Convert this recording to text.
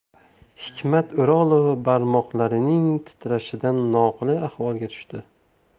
hikmat o'rolov barmoqlarining titrashidan noqulay ahvolga tushdi